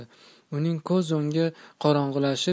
u ning ko'z o'ngi qorong'ilashib